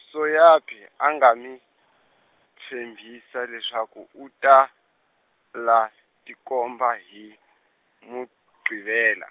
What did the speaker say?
Soyaphi a nga mi, tshembisa leswaku u ta, la tikomba hi, Muqhivela.